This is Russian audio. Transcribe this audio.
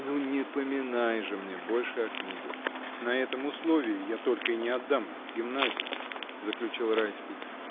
— Ну, не поминай же мне больше о книгах: на этом условии я только и не отдам их в гимназию, — заключил Райский.